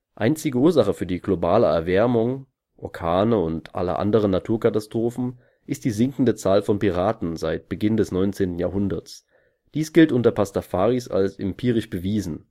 Einzige Ursache für die globale Erwärmung, Orkane und alle anderen Naturkatastrophen ist die sinkende Zahl von Piraten seit Beginn des 19. Jahrhunderts. Dies gilt unter Pastafaris als empirisch bewiesen